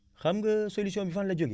xam nga solution bi fan la jógee